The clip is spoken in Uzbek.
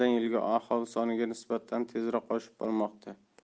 yilga aholi soniga nisbatan tezroq oshib bormoqda